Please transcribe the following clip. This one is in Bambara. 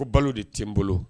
Ko balo de tɛ n bolo!